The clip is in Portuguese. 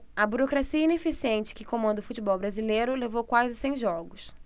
a burocracia ineficiente que comanda o futebol brasileiro levou quase cem jogos